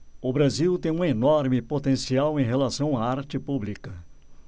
o brasil tem um enorme potencial em relação à arte pública